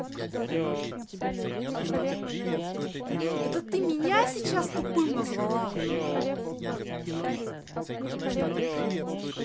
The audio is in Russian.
это ты меня сейчас тупым назвала